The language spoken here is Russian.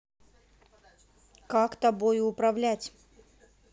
как тобою управлять